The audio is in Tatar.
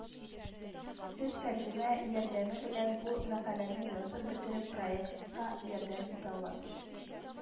Сез тәрҗемә ярдәме белән бу мәкаләне язып бетереп проектка ярдәм итә аласыз